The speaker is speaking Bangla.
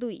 ২